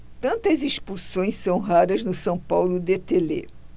tantas expulsões são raras no são paulo de telê